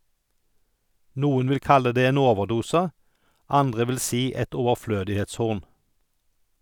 Noen vil kalle det en overdose, andre vil si et overflødighetshorn